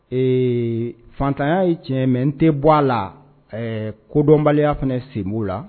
Ee fatan yyaa ye cɛ n tɛ bɔ a la kodɔnbaliya fana se la